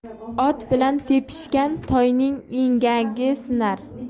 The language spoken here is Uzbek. ot bilan tepishgan toyning engagi sinar